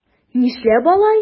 Нишләп алай?